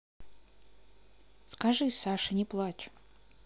скажи саша не плачь